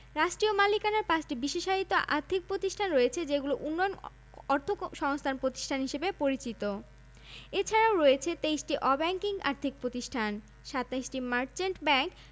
১৯৯৯ সালে ঋণ দানকারী সমবায় সমিতির সংখ্যা ছিল ২০টি এবং এগুলোর মোট সম্পদের পরিমাণ ছিল ১৬দশমিক ৪ কোটি টাকা